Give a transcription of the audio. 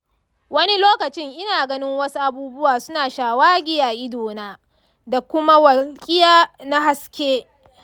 wani lokacin ina ganin wasu abubuwa suna shawagi a idona da kuma walƙiya na haske.